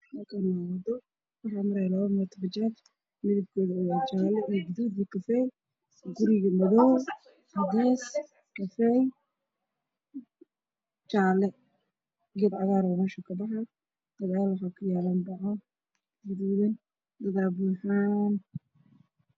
Waa daba qaado dheer oo siddeed biyan ah ka kooban waxaa ag maraayo bajaaj gudoosan dad aya eg maraayo